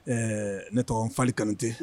Ɛɛ ne tɔgɔ Nfali Kanute